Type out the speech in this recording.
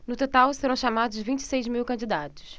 no total serão chamados vinte e seis mil candidatos